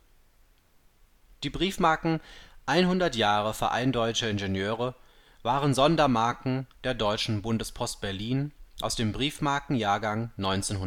Die Briefmarken 100 Jahre Verein Deutscher Ingenieure (VDI) waren Sondermarken der Deutschen Bundespost Berlin aus dem Briefmarken-Jahrgang 1956